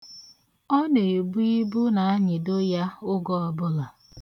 Ọ na-ebu ibu na-anyịdo ya oge ọbụla.